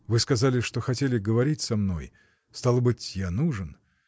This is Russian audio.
Вы сказали, что хотели говорить со мной: стало быть, я нужен.